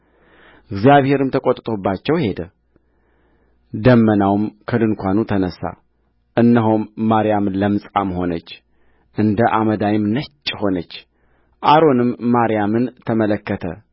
እግዚአብሔርም ተቈጥቶባቸው ሄደደመናውም ከድንኳኑ ተነሣ እነሆም ማርያም ለምጻም ሆነች እንደ አመዳይም ነጭ ሆነች አሮንም ማርያምን ተመለከተ